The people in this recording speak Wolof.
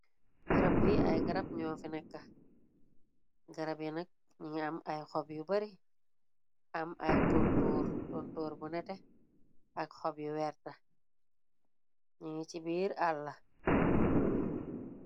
Bërëb bi ay garab ñoo fi nekka, garab yi nak, mu ngi am ay xob yu bari, am ay tontoor, bu nétté ak xob yu werta mu ngi si biir àlla.